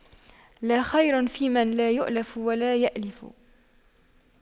لا خير فيمن لا يَأْلَفُ ولا يؤلف